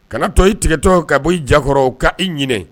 Kana tɔ i tigatɔ ka bɔ i jakɔrɔw k ka i ɲ